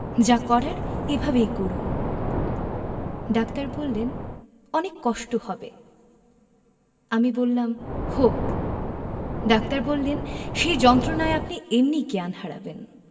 যা করার এভাবেই করুন ডাক্তার বললেন অনেক কষ্ট হবে আমি বললাম হোক ডাক্তার বললেন সেই যন্ত্রণায় আপনি এমনি জ্ঞান হারাবেন